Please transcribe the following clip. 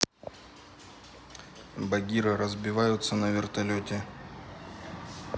багира разбивается на вертолете